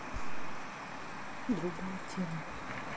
другую тему